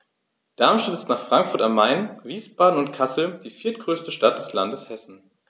Darmstadt ist nach Frankfurt am Main, Wiesbaden und Kassel die viertgrößte Stadt des Landes Hessen